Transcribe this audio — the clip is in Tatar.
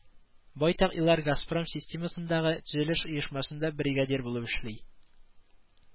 Байтак еллар Газпром системасындагы төзелеш оешмасында бригадир булып эшли